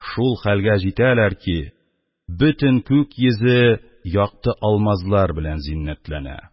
Шул хәлгә җитәләр ки, бөтен күк йөзе якты алмазлар белән зиннәтләнә.